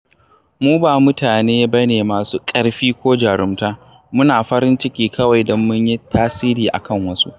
Mu ba mutane ba ne masu ƙarfi ko jarumta… muna farin ciki kawai don mun yi tasiri a kan wasu.